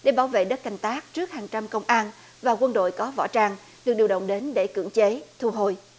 để bảo vệ đất canh tác trước hàng trăm công an và quân đội có võ trang được điều động đến để cưỡng chế thu hồi